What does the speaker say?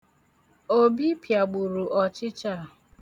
Obi pịagburu ọchịcha a.